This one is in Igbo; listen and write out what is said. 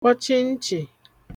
kpọchi nchì